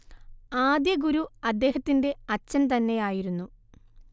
ആദ്യ ഗുരു അദ്ദേഹത്തിന്റെ അച്ഛൻ തന്നെയായിരുന്നു